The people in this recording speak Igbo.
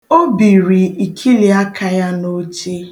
O biri ikiliaka ya n'aka oche.